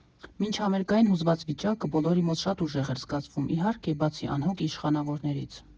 Մինչհամերգային հուզված վիճակը բոլորի մոտ շատ ուժեղ էր զգացվում, իհարկե, բացի անհոգ իշխանավորներից։